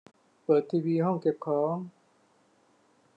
เปิดทีวีห้องเก็บของ